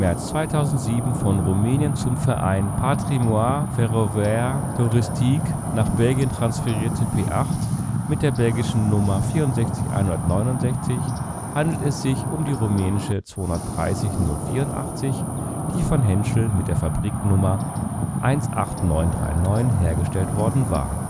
2007 von Rumänien zum Verein Patrimoine Ferroviare Touristique nach Belgien transferierte P8 mit der belgischen Nummer 64 169 handelt es sich um die rumänische 230 084, die von Henschel mit der Fabriknummer 18939 hergestellt worden war